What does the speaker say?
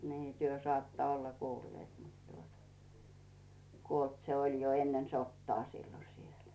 niin te saatte olla kuulleet mutta tuota kuollut se oli jo ennen sotaa silloin siellä